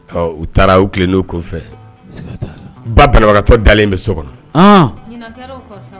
U taara u kelen' kɔfɛ ba banabagatɔ dalen bɛ so kɔnɔ